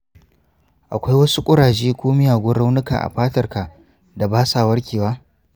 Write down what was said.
akwai wasu ƙuraje ko miyagun raunuka a fatarka da ba sa warkewa?